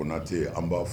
Kona tɛ an b'a fɔ